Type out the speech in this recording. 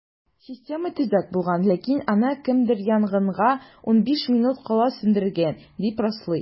Система төзек булган, ләкин аны кемдер янгынга 15 минут кала сүндергән, дип раслый.